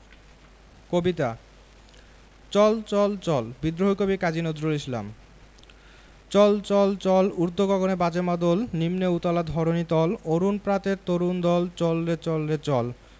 কবিতা চল চল চল বিদ্রোহী কবি কাজী নজরুল ইসলাম চল চল চল ঊর্ধ্ব গগনে বাজে মাদল নিম্নে উতলা ধরণি তল অরুণ প্রাতের তরুণ দল চল রে চল রে চল